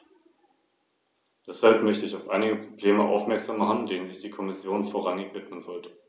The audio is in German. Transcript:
Dennoch freue ich mich, dass manche der grundlegenden Rechte der Verordnung für Fahrgäste gelten, die über eine kürzere Entfernung reisen.